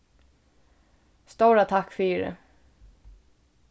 stóra takk fyri